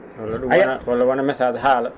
walla ?um wona walla wona message haala